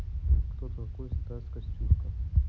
кто такой стас костюшко